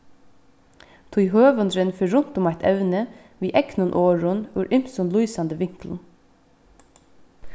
tí høvundurin fer runt um eitt evni við egnum orðum úr ymsum lýsandi vinklum